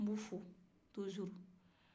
n b'u fo tuzuru